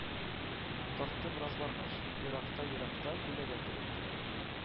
-тартты бераз баргач, еракта-еракта күләгә кебек кенә